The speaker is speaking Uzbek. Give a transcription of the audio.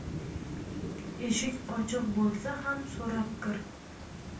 eshik ochiq bo'lsa ham so'rab kir